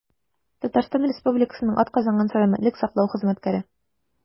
«татарстан республикасының атказанган сәламәтлек саклау хезмәткәре»